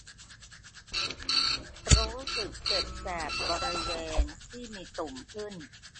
รู้สึกเจ็บแสบบริเวณที่มีตุ่มขึ้น